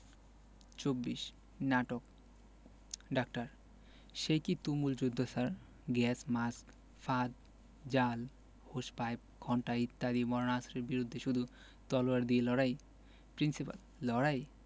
২৪ নাটক ডাক্তার সেকি তুমুল যুদ্ধ স্যার গ্যাস মাস্ক ফাঁদ জাল হোস পাইপ ঘণ্টা ইত্যাদি মারণাস্ত্রের বিরুদ্ধে শুধু তলোয়ার দিয়ে লড়াই প্রিন্সিপাল লড়াই